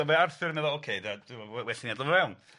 So mae Arthur yn meddwl ocê de, dwi'n meddwl we- well i ni ad'el fe fewn.